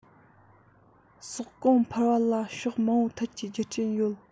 ཟོག གོང འཕར བ ལ ཕྱོགས མང པོའི ཐད ཀྱི རྒྱུ རྐྱེན ཡོད